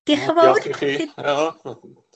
Di'ch y'